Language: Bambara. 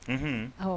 Unhun